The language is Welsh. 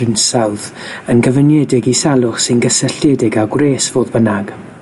hinsawdd yn gyfyngiedig i salwch sy'n gysylltiedig â gwres fodd bynnag.